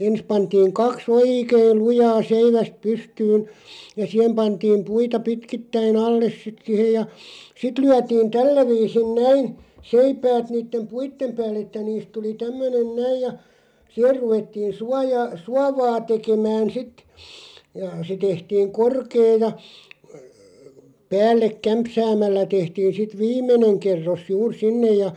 ensin pantiin kaksi oikein lujaa seivästä pystyyn ja siihen pantiin puita pitkittäin alle sitten siihen ja sitten lyötiin tällä viisin näin seipäät niiden puiden päälle että niistä tuli tämmöinen näin ja siihen ruvettiin suojaa suovaa tekemään sitten ja se tehtiin korkea ja päälle kämpsäämällä tehtiin sitten viimeinen kerros juuri sinne ja